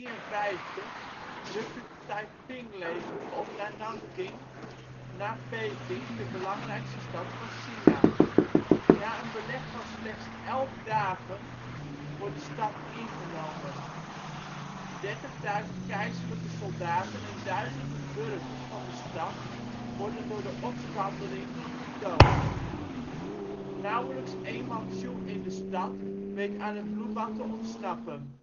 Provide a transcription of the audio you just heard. Hubei. In maart 1853 rukt het Taiping-leger op naar Nanking, na Peking de belangrijkste stad van China. Na een beleg van slechts 11 dagen wordt de stad ingenomen. 30.000 keizerlijke soldaten en duizenden burgers van de stad worden door de opstandelingen gedood. Nauwelijks één Mantsjoe in de stad weet aan het bloedbad te ontsnappen